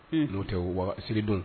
N'o tɛ wa selidon